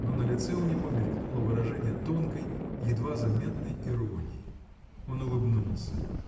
но на лице у него мелькнуло выражение тонкой едва заметной иронии. Он улыбнулся.